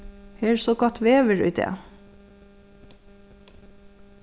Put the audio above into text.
her er so gott veður í dag s